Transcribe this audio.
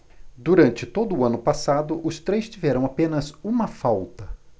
durante todo o ano passado os três tiveram apenas uma falta